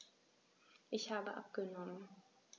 Ich habe abgenommen.